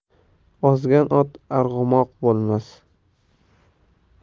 ozgan ot arg'umoq bo'lmas